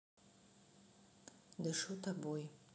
дышу тобой